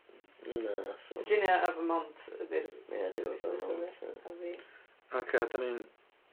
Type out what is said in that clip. Na so... Virginia a Vermont ydi'r Ie, dwi me'wl Vermont a... a fi. Ac a 'dan ni'n